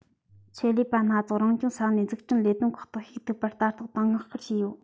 ཆེད ལས པ སྣ ཚོགས རང སྐྱོང ས གནས འཛུགས སྐྲུན ལས དོན ཁག ཏུ ཞུགས ཐུབ པར ལྟ རྟོག དང བསྔགས བསྐུལ བྱས ཆོག